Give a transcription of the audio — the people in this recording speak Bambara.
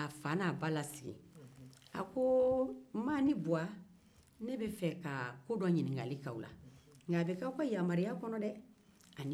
a bɛ kɛ aw ka yamaruya kɔnɔ dɛɛ ani boɲa kɔnɔ